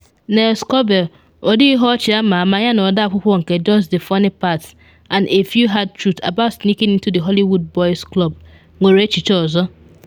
Nell Scovell, ọdee ihe ọchị ama ama yana ọdee akwụkwọ nke “Just the Funny Parts: And a Few Hard Truths About Sneaking Into the Hollywood Boys" Club," nwere echiche ọzọ.